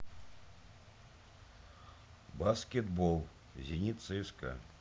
баскетбол зенит цска